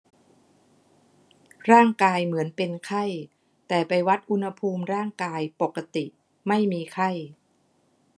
ร่างกายเหมือนเป็นไข้แต่ไปวัดอุณหภูมิร่างกายปกติไม่มีไข้